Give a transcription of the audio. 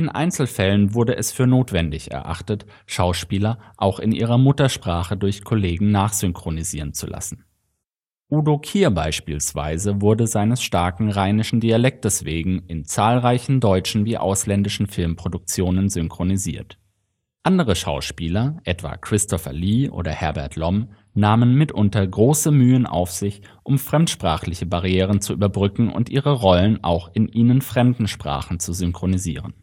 Einzelfällen wurde es für notwendig erachtet, Schauspieler auch in ihrer Muttersprache durch Kollegen nachsynchronisieren zu lassen. Udo Kier beispielsweise wurde seines starken rheinischen Dialektes wegen in zahlreichen deutschen wie ausländischen Filmproduktionen synchronisiert. Andere Schauspieler – etwa Christopher Lee oder Herbert Lom – nahmen mitunter große Mühen auf sich, um fremdsprachliche Barrieren zu überbrücken und ihre Rollen auch in ihnen fremden Sprachen zu synchronisieren